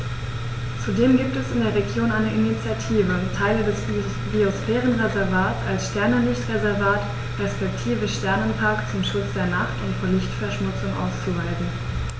Zudem gibt es in der Region eine Initiative, Teile des Biosphärenreservats als Sternenlicht-Reservat respektive Sternenpark zum Schutz der Nacht und vor Lichtverschmutzung auszuweisen.